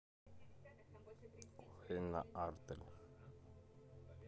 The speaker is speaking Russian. ойна артель